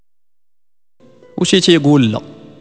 ايش يقول لك